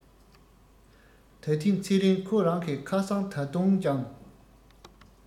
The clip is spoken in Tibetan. ད ཐེངས ཚེ རིང ཁོ རང གི ཁ སང ད དུང ཀྱང